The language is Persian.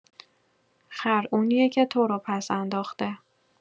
خر اونیه که تو رو پس‌انداخته